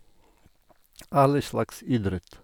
Alle slags idrett.